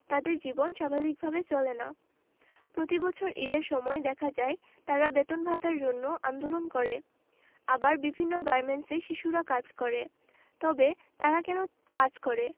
তাদের জীবন স্বাভাবিক ভাবে চলে না প্রতিবছর ঈদের সময় দেখা যায় তারা বেতন ভাতার জন্য আন্দোলন করে আবার বিভিন্ন গার্মেন্টসে শিশুরা কাজ করে তবে তারা কেন কাজ করে